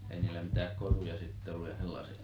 ei niillä mitään koruja sitten ollut ja sellaisia